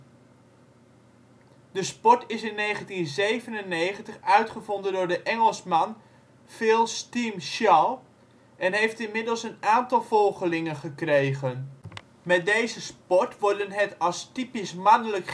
sport is in 1997 uitgevonden door de Engelsman Phil " Steam " Shaw, en heeft inmiddels een aantal volgelingen gekregen. Met deze sport worden het als typisch mannelijk